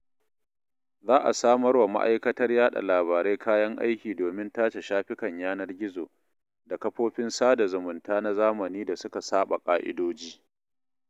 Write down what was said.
Za a samar wa Ma'aikatar Yaɗa Labarai kayan aiki domin tace shafukan yanar gizo da kafofin sada zumunta na zamani da suka saɓa ƙa'idoji.